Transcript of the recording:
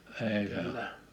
ei se on